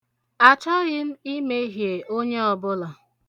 Achọghị m imehie onye ọbụla.